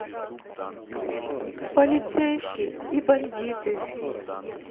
полицейский и бандиты